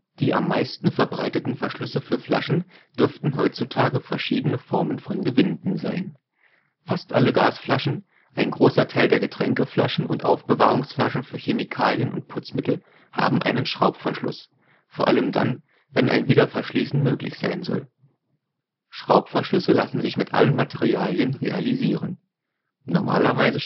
Die am meisten verbreiteten Verschlüsse für Flaschen dürften heutzutage verschiedene Formen von Gewinden sein. Fast alle Gasflaschen, ein großer Teil der Getränkeflaschen und Aufbewahrungsflaschen für Chemikalien und Putzmittel haben einen Schraubverschluss. Vor allem dann, wenn ein Wiederverschließen möglich sein soll. Schraubverschlüsse lassen sich mit allen Materialien realisieren. Normalerweise